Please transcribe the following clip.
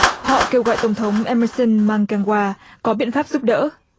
họ kêu gọi tổng thống em mơ sừn man can goa có biện pháp giúp đỡ